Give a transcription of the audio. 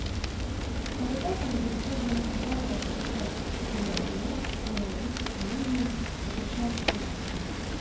Уфадагы Конгресс-холл бинасында Башкортстан хөкүмәтенең киңәйтелгән коллегия утырышы булып үтте